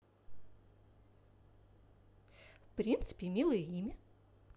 в принципе милое имя